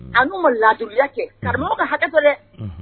A n'o laduya kɛ karamɔgɔ ka hakɛtɔ dɛ